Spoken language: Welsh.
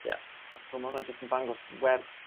Ie. A t'o' ma' 'wna jyst yn dangos werth